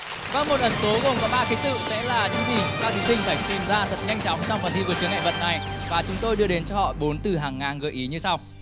vâng một ẩn số gồm có ba ký tự sẽ là những gì các thí sinh cần phải tìm ra thật nhanh chóng trong phần thi vượt chướng ngại vật này và chúng tôi đưa đến cho họ bốn từ hàng ngang gợi ý như sau